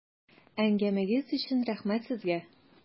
Әңгәмәгез өчен рәхмәт сезгә!